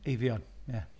Eifion ie.